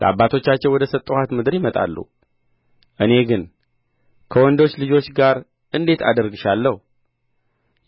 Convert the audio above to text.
ለአባቶቻቸው ወደ ሰጠኋት ምድር ይመጣሉ እኔ ግን ከወንዶች ልጆች ጋር እንዴት አደርግሻለሁ